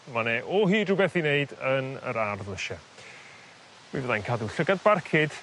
Ma' 'ne o hyd rwbeth i wneud yn yr ardd lysie. Mi fyddai'n cadw llygad barcud